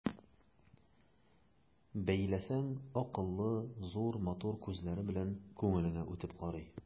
Бәйләсәң, акыллы, зур, матур күзләре белән күңелеңә үтеп карый.